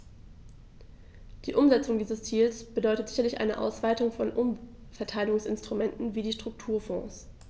Die Umsetzung dieses Ziels bedeutet sicherlich eine Ausweitung von Umverteilungsinstrumenten wie die Strukturfonds.